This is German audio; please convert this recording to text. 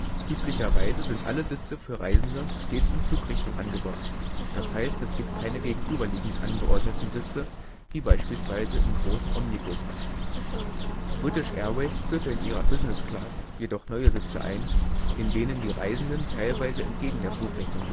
Üblicherweise sind alle Sitze für Reisende stets in Flugrichtung angebracht, d. h. es gibt keine gegenüberliegend angeordnete Sitze wie beispielsweise in großen Omnibussen. British Airways führte in ihrer Business Class jedoch neue Sitze ein, in denen die Reisenden teilweise entgegen der Flugrichtung